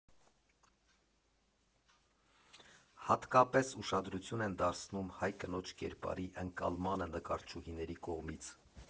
Հատկապես ուշադրություն են դարձնում հայ կնոջ կերպարի ընկալմանը նկարչուհիների կողմից։